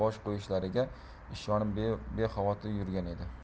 bosh qo'yishlariga ishonib bexavotir yurgan edi